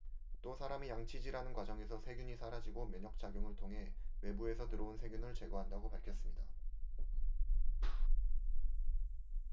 또 사람이 양치질하는 과정에서 세균이 사라지고 면역작용을 통해 외부에서 들어온 세균을 제거한다고 밝혔습니다